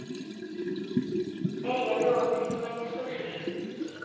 эй але ты меня не слышишь